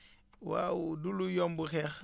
waaw du lu yomb xeex